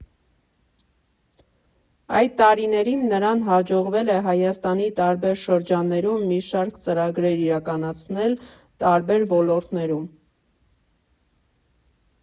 Այդ տարիներին նրան հաջողվել է Հայաստանի տարբեր շրջաններում մի շարք ծրագրեր իրականացնել տարբեր ոլորտներում։